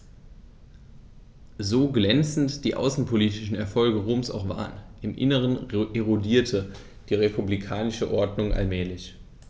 So glänzend die außenpolitischen Erfolge Roms auch waren: Im Inneren erodierte die republikanische Ordnung allmählich.